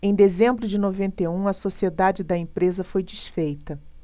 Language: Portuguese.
em dezembro de noventa e um a sociedade da empresa foi desfeita